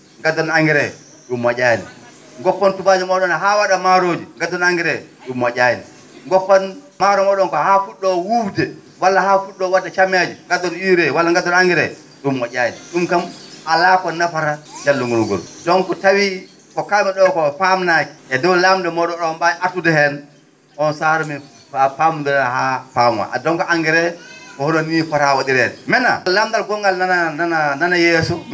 ngaddon engrais ?um mo??aani ngoppon tubaañoo moo?on haa wa?a maaroji ngaddon engrais ?um mo??aani ngoppon maaro moo?on ko haa fu??o wuufde walla haa fu??o wa?de cammeeje ngaddon UREE wala ngaddon engrais ?um mo??aani ?um kam alaa ko nafata jallungol ngol donc tawi ko kaalmi ?oo koo faamnaaki e dow lamnde moo?on o?on mbaawi artude heen o saatu min pamonndira haa paamaa donc engrais ko hono ni fotaa wa?ireede maintenant lamndal gonngal nana nana yeeso